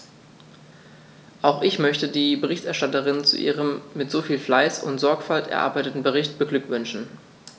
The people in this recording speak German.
Auch ich möchte die Berichterstatterin zu ihrem mit so viel Fleiß und Sorgfalt erarbeiteten Bericht beglückwünschen.